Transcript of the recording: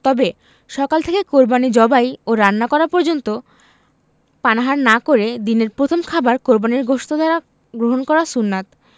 তবে সকাল থেকে কোরবানি জবাই ও রান্না করা পর্যন্ত পানাহার না করে দিনের প্রথম খাবার কোরবানির গোশত দ্বারা গ্রহণ করা সুন্নাত